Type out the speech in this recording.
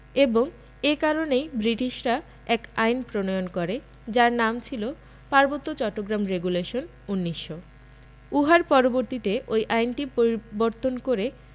এবং এ কারণেই বৃটিশরা এক আইন প্রণয়ন করে যার নাম ছিল পার্বত্য চট্টগ্রাম রেগুলেশন ১৯০০ উহার পরবর্তীতে ঐ আইনটি পরিবর্তন করে